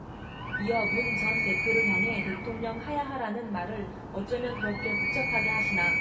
이어 문 전 대표를 향해 대통령 하야하라는 말을 어쩌면 그렇게 복잡하게 하시나